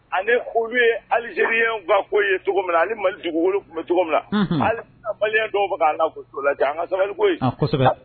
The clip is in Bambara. Ani olu ye aliz bako ye cogo min ani mali cogo na dɔw k' an sabali